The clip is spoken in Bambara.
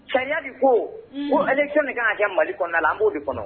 Sariya de ko, ko élection de kan ka kɛ Mali kɔnɔ, an b'ɔ de kɔnɔ